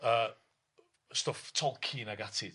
yy stwff Tolkien ag ati.